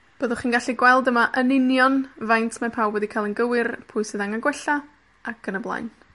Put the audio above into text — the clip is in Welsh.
Byddwch chi'n gallu gweld yma yn union faint mae pawb wedi ca'l yn gywir, pwy sydd angen gwella, ac yn y blaen.